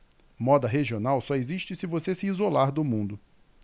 moda regional só existe se você se isolar do mundo